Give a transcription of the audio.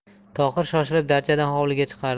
tohir shoshilib darchadan hovliga qaradi